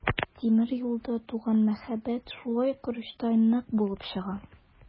Тимер юлда туган мәхәббәт шулай корычтай нык булып чыга.